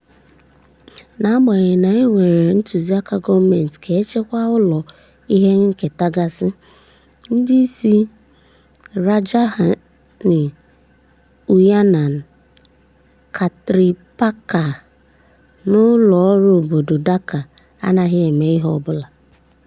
Na-agbanyeghị na e nwere ntụziaka gọọmentị ka e chekwaa ụlọ ihe nketa gasị, ndị isi Rajdhani Unnayan Kartripakkha na Ụlọọrụ Obodo Dhaka anaghị eme ihe ọ bụla.